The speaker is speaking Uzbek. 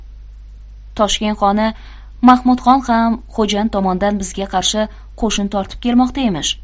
toshkent xoni mahmudxon ham xo'jand tomondan bizga qarshi qo'shin tortib kelmoqda emish